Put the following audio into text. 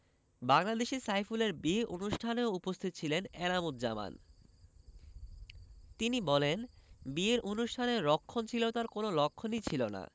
বাংলাদেশে সাইফুলের বিয়ের অনুষ্ঠানেও উপস্থিত ছিলেন এনাম উজজামান তিনি বলেন বিয়ের অনুষ্ঠানে রক্ষণশীলতার কোনো লক্ষণই ছিল না